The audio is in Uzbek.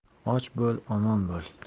och bo'l omon bo'l